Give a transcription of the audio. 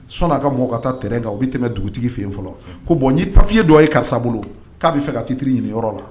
Sɔn' a ka mɔgɔ ka taa t kan u bɛ tɛmɛ dugutigi fɛ yen fɔlɔ ko bɔn n papiye dɔ a ye karisa bolo k'a bɛ fɛ ka titiri ɲini yɔrɔ la